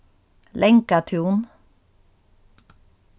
langatún